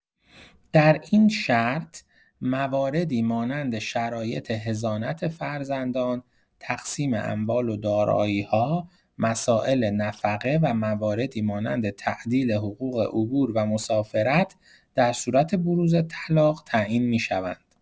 در این شرط، مواردی مانند شرایط حضانت فرزندان، تقسیم اموال و دارایی‌ها، مسائل نفقه و مواردی مانند تعدیل حقوق عبور و مسافرت در صورت بروز طلاق تعیین می‌شوند.